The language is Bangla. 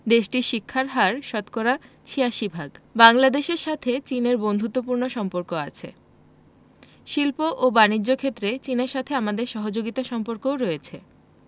দেশটির শিক্ষার হার শতকরা ৮৬ ভাগ বাংলাদেশের সঙ্গে চীনের বন্ধুত্বপূর্ণ সম্পর্ক আছে শিল্প ও বানিজ্য ক্ষেত্রে চীনের সাথে আমাদের সহযোগিতার সম্পর্কও রয়েছে